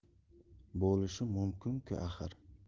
bo'lishi mumkinku axir